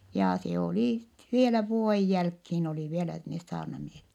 ja se oli vielä vuoden jälkeen oli vielä ne saarnamiehet